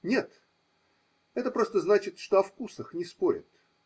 – Нет, это просто значит, что о вкусах не спорят.